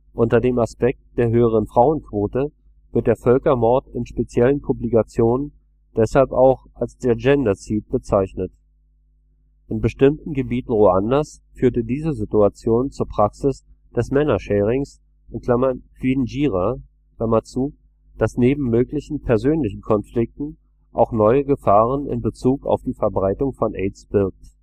Unter dem Aspekt der höheren Frauenquote wird der Völkermord in speziellen Publikationen deshalb auch als Gendercide bezeichnet. In bestimmten Gebieten Ruandas führte diese Situation zur Praxis des Männer-Sharing (kwinjira), das neben möglichen persönlichen Konflikten auch neue Gefahren in Bezug auf die Verbreitung von AIDS birgt